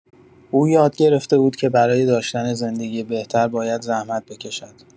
او یاد گرفته بود که برای داشتن زندگی بهتر باید زحمت بکشد.